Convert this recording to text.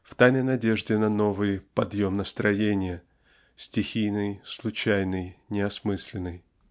в тайной надежде на новый "подъем настроения" стихийный случайный неосмысленный.